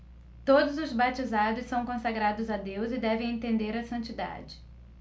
todos os batizados são consagrados a deus e devem tender à santidade